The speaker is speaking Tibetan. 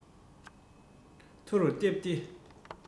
མཐོ རུ བཏེགས ཏེ